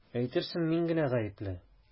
Әйтерсең мин генә гаепле!